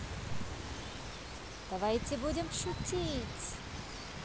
давайте будем шутить